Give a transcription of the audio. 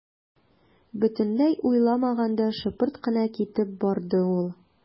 Бөтенләй уйламаганда шыпырт кына китеп барды ул.